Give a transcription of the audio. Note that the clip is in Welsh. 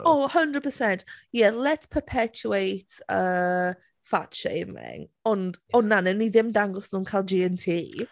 Oh, hundred percent. Ie "let's perpetuate yy fat-shaming" ond ond na, wnawn ni ddim dangos nhw'n cael G&T.